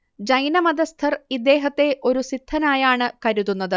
ജൈനമതസ്തർ ഇദ്ദേഹത്തെ ഒരു സിദ്ധനായാണ് കരുതുന്നത്